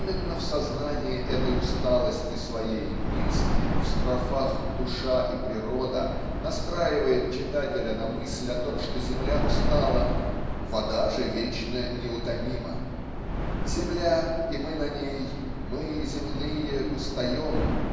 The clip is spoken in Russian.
именно в сознании этой усталости своей Минский в строфах "Душа и природа" настраивает читателя на мысль о том что земля устала вода же вечно неутомима. Земля и мы на ней мы земные устаем